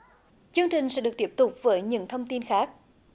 chương trình sẽ được tiếp tục với những thông tin khác